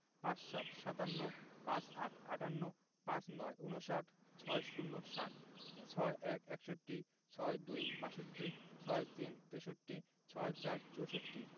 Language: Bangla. ৫৭ – সাতান্ন ৫৮ – আটান্ন ৫৯ - ঊনষাট ৬০ - ষাট ৬১ – একষট্টি ৬২ – বাষট্টি ৬৩ – তেষট্টি ৬৪ – চৌষট্টি